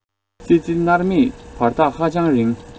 སྲིད རྩེ མནར མེད བར ཐག ཧ ཅང རིང